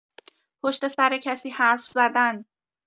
پشت‌سر کسی حرف‌زدن